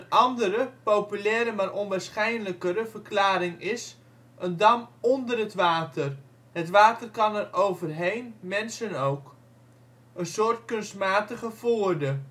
andere (populaire maar onwaarschijnlijkere) verklaring is: een dam onder het water (het water kan er overheen, mensen ook), een soort kunstmatige voorde